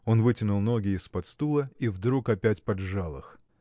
он вытянул ноги из-под стула и вдруг опять поджал их.